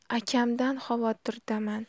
akamdan xavotirdaman